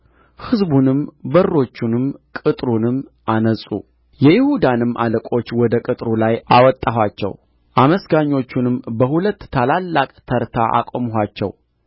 ሕዝቡንም በሮቹንም ቅጥሩንም አነጹ የይሁዳንም አለቆች ወደ ቅጥሩ ላይ አወጣኋቸው አመስጋኞቹንም በሁለት ታላላቅ ተርታ አቆምኋቸው